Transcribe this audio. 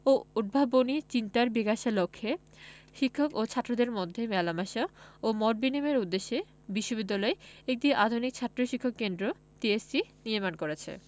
ও উদ্ভাবনী চিন্তার বিকাশের লক্ষ্যে শিক্ষক ও ছাত্রদের মধ্যে মেলামেশা ও মত বিনিময়ের উদ্দেশ্যে বিশ্ববিদ্যালয় একটি আধুনিক ছাত্র শিক্ষক কেন্দ্র টিএসসি নির্মাণ করছে